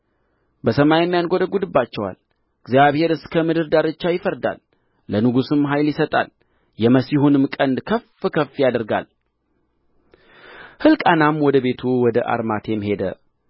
በሰማይም ያንጐደጕድባቸዋል እግዚአብሔር እስከ ምድር ዳርቻ ይፈርዳል ለንጉሡም ኃይል ይሰጣል የመሲሑንም ቀንድ ከፍ ከፍ ያደርጋል ሕልቃናም ወደ ቤቱ ወደ አርማቴም ሄደ